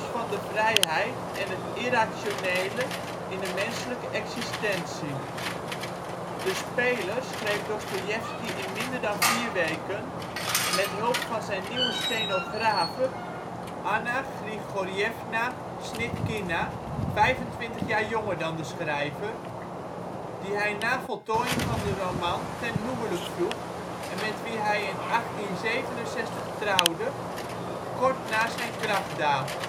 vrijheid en het irrationele in de menselijke existentie " (Lathouwers, M.A.: Dostojewskij, Desclée De Brouwer, 1968). De Speler schreef Dostojevski in minder dan vier weken, met hulp van zijn nieuwe stenografe Anna Grigorjevna Snitkina - 25 jaar jonger dan de schrijver -, die hij na voltooiing van de roman ten huwelijk vroeg, en met wie hij in 1867 trouwde, kort na zijn krachtdaad